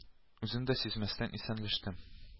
Үзем дә сизмәстән исәнләштем